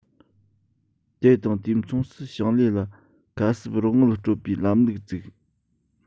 དེ དང དུས མཚུངས སུ ཞིང ལས ལ ཁ གསབ རོགས དངུལ སྤྲོད པའི ལམ ལུགས བཙུགས